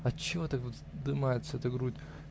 отчего так вздымается эта грудь?